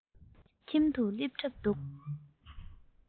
ཁྱིམ ལ སླེབས གྲབས འདུག